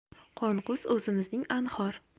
qonqus o'zimizning anhor